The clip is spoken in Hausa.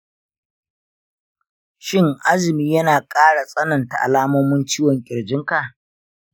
shin azumi yana ƙara tsananta alamomin ciwon ƙirjinka?